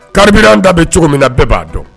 Kariran da bɛ cogo min na bɛɛ b'a dɔn